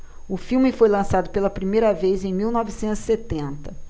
o filme foi lançado pela primeira vez em mil novecentos e setenta